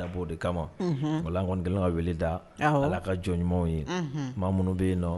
Dabɔ o de kama. O la , an kɔni kɛlen don ka weele da Ala ka jɔn ɲumanw ye. Maa munun be yen nɔ